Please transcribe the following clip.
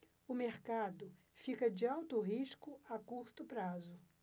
o mercado fica de alto risco a curto prazo